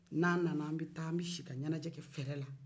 n'an nana an bɛ taa an bɛ si ka ɲɛnajɛ kɛ fɛrɛ la